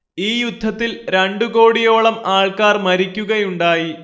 ഈ യുദ്ധത്തിൽ രണ്ടു കോടിയോളം ആൾക്കാർ മരിക്കുകയുണ്ടായി